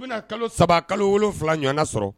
U bɛna kalo saba kalo wolo wolonwula ɲɔgɔn sɔrɔ